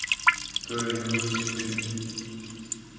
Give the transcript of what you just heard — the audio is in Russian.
история игрушки четыре